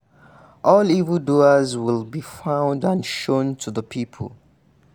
All evil-doers will be found and shown to the people.